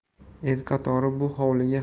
el qatori bu hovliga